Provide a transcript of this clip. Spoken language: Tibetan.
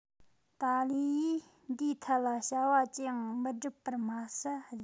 ཏཱ ལའི ཡིས འདིའི ཐད ལ བྱ བ ཅི ཡང མི སྒྲུབ པར མ ཟད